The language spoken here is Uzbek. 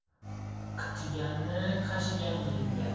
qichiganni qashigan yengar